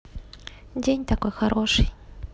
день такой хороший